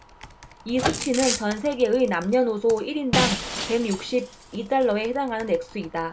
이 수치는 전 세계의 남녀노소 일 인당 백 육십 이 달러에 해당하는 액수이다